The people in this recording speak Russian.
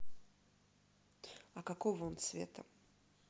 а какого он цвета